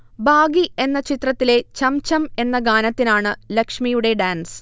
'baggy' എന്ന ചിത്രത്തിലെ 'ഛംഛം' എന്ന ഗാനത്തിനാണു ലക്ഷ്മിയുടെ ഡാൻസ്